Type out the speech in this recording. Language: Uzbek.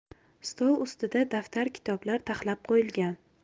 stol ustida daftar kitoblar taxlab qo'yilgan